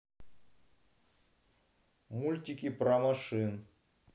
мультики про машин